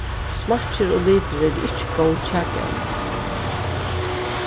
smakkir og litir eru ikki góð kjakevni